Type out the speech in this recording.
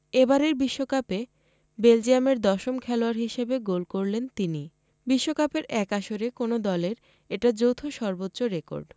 এবারের বিশ্বকাপে বেলজিয়ামের দশম খেলোয়াড় হিসেবে গোল করলেন তিনি বিশ্বকাপের এক আসরে কোনো দলের এটা যৌথ সর্বোচ্চ রেকর্ড